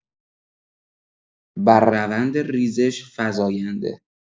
بر روند ریزش فزاینده